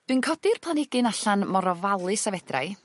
Dwi'n codi'r planhigyn allan mor ofalus a fedrau